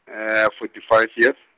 forty five years.